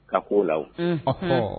Ka ko la ɔhɔn